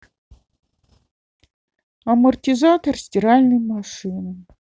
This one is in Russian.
амортизатор стиральной машины